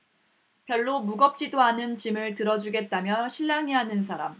별로 무겁지도 않은 짐을 들어주겠다며 실랑이 하는 사람